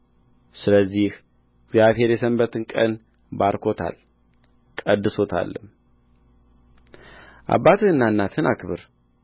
ስለዚህ እግዚአብሔር የሰንበትን ቀን ባርኮታል ቀድሶታልም አባትህንና እናትህን አክብር